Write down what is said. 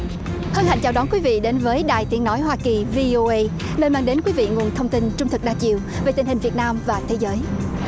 hân hạnh chào đón quý vị đến với đài tiếng nói hoa kỳ vi ô ây nơi mang đến quý vị nguồn thông tin trung thực đa chiều về tình hình việt nam và thế giới